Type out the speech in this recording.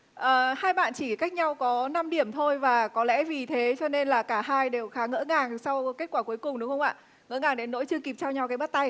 ờ hai bạn chỉ cách nhau có năm điểm thôi và có lẽ vì thế cho nên là cả hai đều khá ngỡ ngàng sau kết quả cuối cùng đúng không ạ ngỡ ngàng đến nỗi chưa kịp trao nhau cái bắt tay